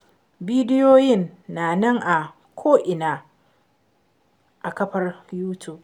Bidiyoyin na nan a ko'ina a kafar 'YouTube'.